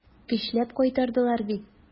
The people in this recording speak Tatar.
Көчләп кайтардылар бит.